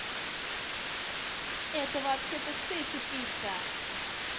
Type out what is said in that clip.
это вообще то ты тупица